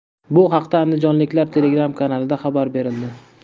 bu haqda andijonliklar telegram kanalida xabar berildi